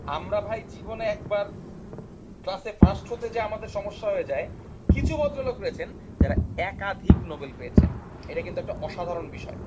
আমরা ভাই জীবনে একবার ক্লাসে ফার্স্ট হতে যে আমাদের সমস্যা হয়ে যায় কিছু ভদ্রলোক রয়েছেন যারা একাধিক নোবেল পেয়েছেন এটা কিন্তু একটা অসাধারণ বিষয়